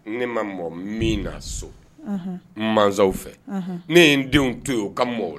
Ne ma mɔgɔ min na so maw fɛ ne ye n denw to ye o ka mɔgɔ